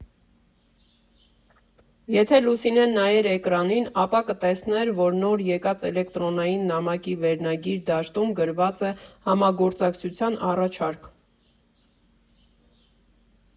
Եթե Լուսինեն նայեր էկրանին, ապա կտեսներ, որ նոր եկած էլեկտրոնային նամակի վերնագրի դաշտում գրված է «Համագործակցության առաջարկ»։